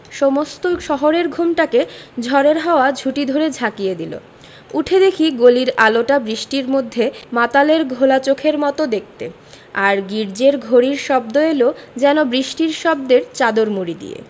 সমস্ত শহরের ঘুমটাকে ঝড়ের হাওয়া ঝুঁটি ধরে ঝাঁকিয়ে দিলে উঠে দেখি গলির আলোটা বৃষ্টির মধ্যে মাতালের ঘোলা চোখের মত দেখতে আর গির্জ্জের ঘড়ির শব্দ এল যেন বৃষ্টির শব্দের চাদর মুড়ি দিয়ে